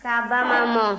k'a bama mɔ